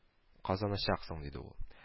Казаначаксың, диде ул